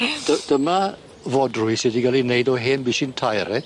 Dy- dyma fodrwy sy 'di ga'l 'i neud o hen bishyn tair reit.